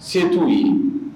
Setu ye